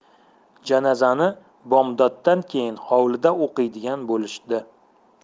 janozani bomdoddan keyin hovlida o'qiydigan bo'lishdi